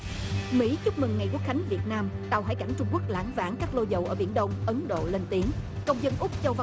mỹ chúc mừng ngày quốc khánh việt nam tàu hải cảnh trung quốc lảng vảng các lô dầu ở biển đông ấn độ lên tiếng công dân úc châu